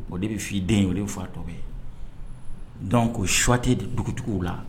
O de bɛ' i den o fa tɔgɔ dɔn ko suwa kuyate de dugutigitigiw la